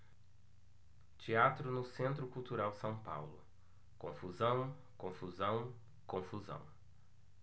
teatro no centro cultural são paulo confusão confusão confusão